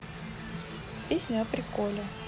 песня о приколе